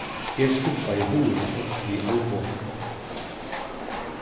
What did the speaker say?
eg skumpaði hurðina upp við alboganum